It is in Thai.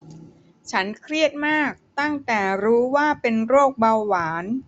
ฉันเครียดมากตั้งแต่รู้ว่าเป็นโรคเบาหวาน